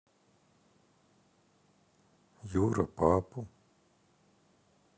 юра папу